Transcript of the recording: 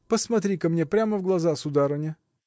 посмотри-ка мне прямо в глаза, сударыня.